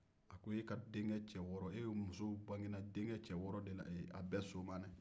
e musow bangena denkɛ cɛ wɔɔrɔ de la ɛ a bɛɛ somanɛ